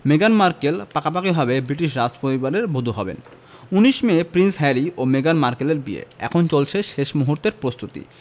মেগান মার্কেল পাকাপাকিভাবে ব্রিটিশ রাজপরিবারের বধূ হবেন ১৯ মে প্রিন্স হ্যারি ও মেগান মার্কেলের বিয়ে এখন চলছে শেষ মুহূর্তের প্রস্তুতি